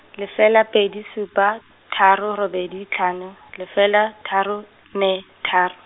lefela pedi supa, tharo robedi tlhano, lefela, tharo, ne, tharo.